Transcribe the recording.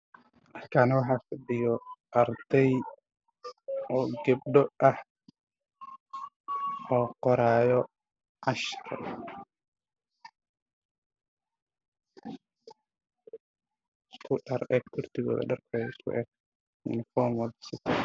Meeshaan waxaa ku jiro arday gabdho ah gabdhaha xijabaayo wataan midabkoodana waa caddaan oo qoraayo cashir